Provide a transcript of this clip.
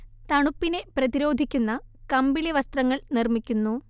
തണുപ്പിനെ പ്രതിരോധിക്കുന്ന കമ്പിളി വസ്ത്രങ്ങൾ നിർമ്മിക്കുന്നു